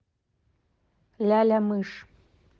ляля мышь